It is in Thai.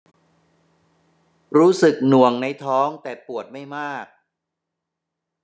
รู้สึกหน่วงในท้องแต่ปวดไม่มาก